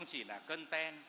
không chỉ là cân tan